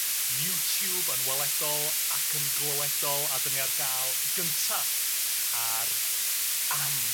YouTube yn weledol ac yn glywedol, a 'dyn ni ar gael gynta ar Am.